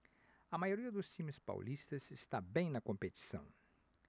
a maioria dos times paulistas está bem na competição